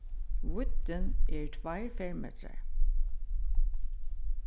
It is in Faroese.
víddin er tveir fermetrar